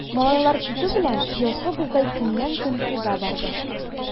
Малайлар китү белән, язгы боздай көннән-көн сыза барды.